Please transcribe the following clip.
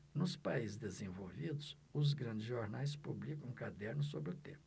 nos países desenvolvidos os grandes jornais publicam cadernos sobre o tema